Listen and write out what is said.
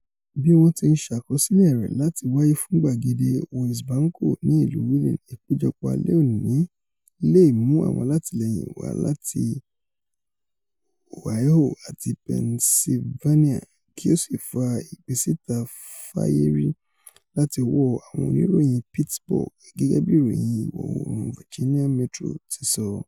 Bí wọń ti ṣ̀akọsílẹ̀ rẹ̀ láti wáyé fún Gbàgede Wesbanco ní ìlú Wheeling, ìpéjọpọ̀ alẹ́ òni leè mú àwọn alátìlẹ̵̵yìn wá láti ''Ohio àti Pennysylvania kí ó sì fa ìgbésíta fáyé rí láti ọwọ́ àwọn oníròyìn Pittsburgh,'' gẹ́gẹ̵́bí Ìròyìn Ìwọ̀-oòrùn Virginia Metro tisọ.